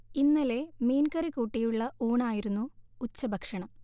ഇന്നലെ മീൻ കറി കൂട്ടിയുള്ള ഊണായിരുന്നു ഉച്ചഭക്ഷണം